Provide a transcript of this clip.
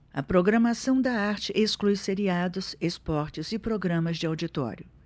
a programação da arte exclui seriados esportes e programas de auditório